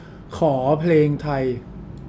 ขอเพลงไทย